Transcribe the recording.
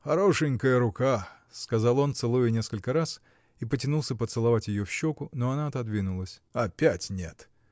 — Хорошенькая рука, — сказал он, целуя несколько раз и потянулся поцеловать ее в щеку, но она отодвинулась. — Опять нет!